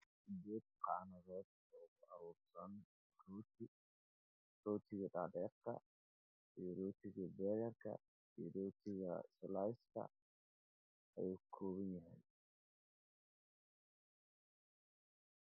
Waa labaqaan dood ee ka muuqdaan rooti roots-ka rootiga w eyn rootiga waxayna ku jiraan qaanado